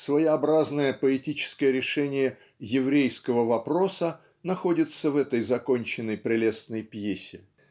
своеобразное поэтическое решение "еврейского вопроса" находится в этой законченной прелестной пьесе